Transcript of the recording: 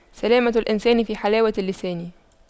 سلامة الإنسان في حلاوة اللسان